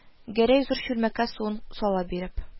Гәрәй зур чүлмәккә суын сала биреп: